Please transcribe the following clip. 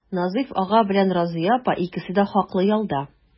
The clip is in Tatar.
Назыйф ага белән Разыя апа икесе дә хаклы ялда.